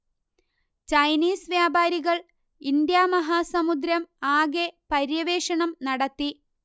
Chinese വ്യാപാരികൾ ഇന്ത്യാമഹാസമുദ്രം ആകെ പര്യവേഷണം നടത്തി